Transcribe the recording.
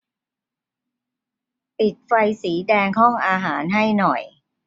ปิดไฟสีแดงห้องอาหารให้หน่อย